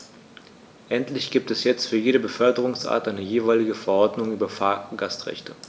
Endlich gibt es jetzt für jede Beförderungsart eine jeweilige Verordnung über Fahrgastrechte.